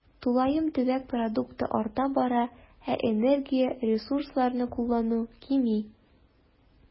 Тулаем төбәк продукты арта бара, ә энергия, ресурсларны куллану кими.